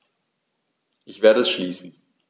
Ich werde es schließen.